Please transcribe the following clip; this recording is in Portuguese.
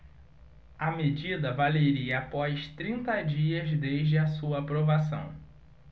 a medida valeria após trinta dias desde a sua aprovação